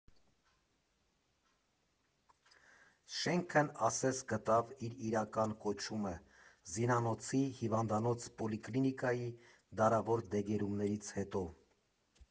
Շենքն ասես գտավ իր իրական կոչումը՝ զինանոցի, հիվանդանոց֊պոլիկլինիկայի դարավոր դեգերումներից հետո։